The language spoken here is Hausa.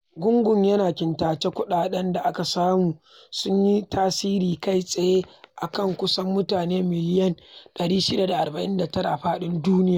Gungun yana kintacen kuɗaɗen da aka samu sun yi tasiri kai tsaye a kan kusan mutane miliyan 649 a faɗin duniyar.